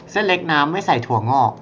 เส้นเล็กน้ำไม่ใส่ถั่วงอก